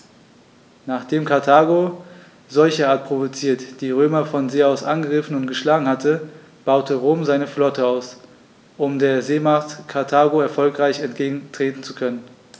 Nachdem Karthago, solcherart provoziert, die Römer von See aus angegriffen und geschlagen hatte, baute Rom seine Flotte aus, um der Seemacht Karthago erfolgreich entgegentreten zu können.